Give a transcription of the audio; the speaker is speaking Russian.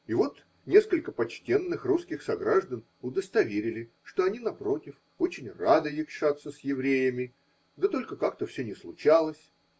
И вот, несколько почтенных русских сограждан удостоверили, что они, напротив, очень рады якшаться с евреями, да только как-то все не случалось.